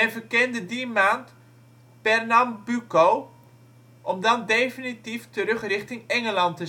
verkende die maand Pernambuco, om dan definitief terug richting Engeland